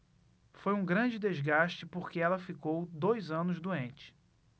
foi um grande desgaste porque ela ficou dois anos doente